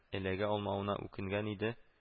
Эләгә алмавына үкенгән иде